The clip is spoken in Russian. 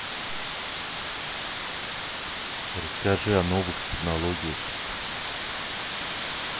расскажи о новых технологиях